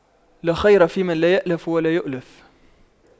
لا خير فيمن لا يَأْلَفُ ولا يؤلف